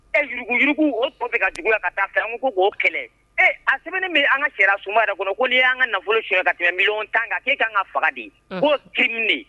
Ɛ yurugu yurugu o tɔ bɛ ka jugu la ka taa karamɔgɔkuku k'o kɛlɛ ɛ a sɛbɛn min an ka cɛ suma yɛrɛ kɔnɔ ko'i y'an ka nafolo siri ka kɛlɛ mi tan kan ka k'i ka kan ka faga de ko tien